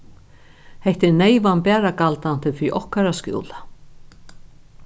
hetta er neyvan bara galdandi fyri okkara skúla